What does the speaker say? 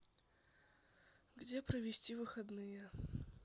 где провести выходные